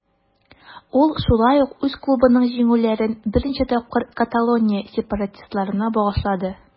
Ул шулай ук үз клубының җиңүләрен берничә тапкыр Каталония сепаратистларына багышлады.